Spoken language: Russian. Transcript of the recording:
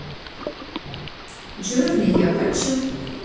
journey я хочу